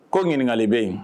Ko ɲininkakali bɛ yen